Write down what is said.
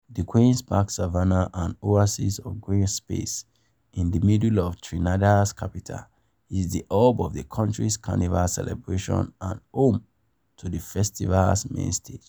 The Queen's Park Savannah, an oasis of green space in the middle of Trinidad's capital, is the hub of the country's Carnival celebrations and home to the festival's main stage.